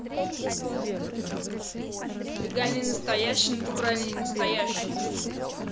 легальный настоящий натуральный не настоящий